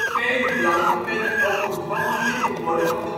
Vele blanken werden ook gedwongen lid te worden van